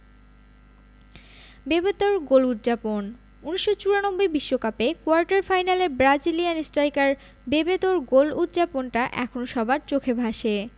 বেবেতোর গোল উদ্ যাপন ১৯৯৪ বিশ্বকাপে কোয়ার্টার ফাইনালে ব্রাজিলিয়ান স্ট্রাইকার বেবেতোর গোল উদ্ যাপনটা এখনো সবার চোখে ভাসে